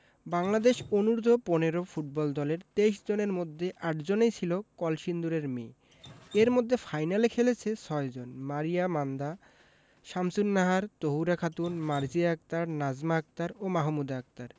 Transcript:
বাংলাদেশ অনূর্ধ্ব ১৫ ফুটবল দলের ২৩ জনের মধ্যে ৮ জনই ছিল কলসিন্দুরের মেয়ে এর মধ্যে ফাইনালে খেলেছে ৬ জন মারিয়া মান্দা শামসুন্নাহার তহুরা খাতুন মার্জিয়া আক্তার নাজমা আক্তার ও মাহমুদা আক্তার